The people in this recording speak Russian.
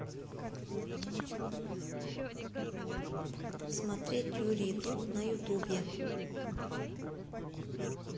смотреть юрий дудь на ютубе